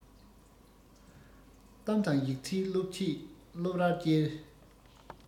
གཏམ དང ཡིག རྩིས སློབ ཆེད སློབ རར བསྐྱེལ